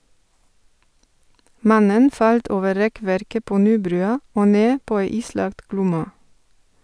Mannen falt over rekkverket på Nybrua og ned på ei islagt Glomma.